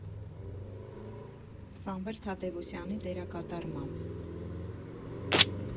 Սամվել Թադևոսյանի դերակատարմամբ։